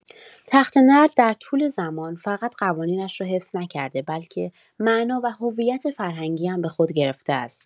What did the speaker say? تخته‌نرد در طول زمان فقط قوانینش را حفظ نکرده، بلکه معنا و هویت فرهنگی هم به خود گرفته است.